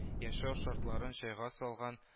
Яшәү шартларын җайга салган